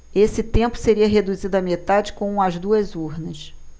esse tempo seria reduzido à metade com as duas urnas